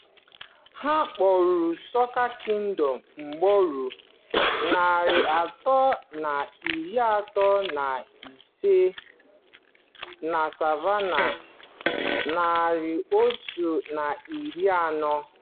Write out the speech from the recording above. A kpọrọ "Soca Kingdom" ugboro 336, na "Savannah" 140.